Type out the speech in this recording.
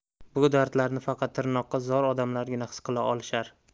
bu dardlarni faqat tirnoqqa zor odamlargina his qila olishar